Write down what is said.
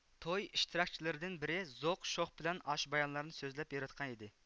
توي ئىشتراكچىلىرىدىن بىرى زوق شوخ بىلەن ئاشۇ بايانلارنى سۆزلەپ بېرىۋاتقان ئىدى